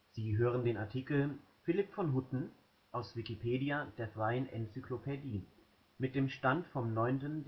Sie hören den Artikel Philipp von Hutten, aus Wikipedia, der freien Enzyklopädie. Mit dem Stand vom Der